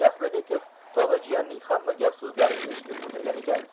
jaslibekov tog'a jiyanning hamma gap so'zlarini eshitib o'tirgan ekan